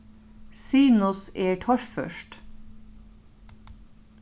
sinus er torført